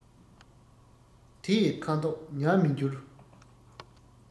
དེ ཡི ཁ དོག ཉམས མི འགྱུར